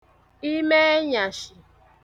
imeẹnyàshị̀